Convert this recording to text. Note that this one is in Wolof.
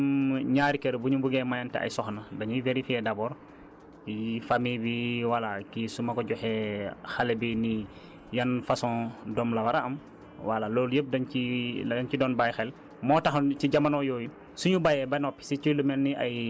amoon na ay temps des fois ma dégg nit ñi di ko wax même ñaari kër bu ñu buggee mayante ay soxna dañuy vérifier d' abord famille bii voilà kii su ma ko joxee xale bii nii yan façon doom la war a am voilà loolu yépp dañ ciy dañ ci doon bàyyi xel